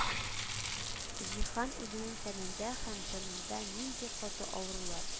Җиһан үзенең тәнендә һәм җанында нинди каты авырулар,